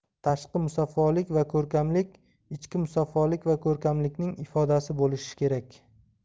tashqi musaffolik va ko'rkamlik ichki musaffolik va ko'rkamlikning ifodasi bo'lishi kerak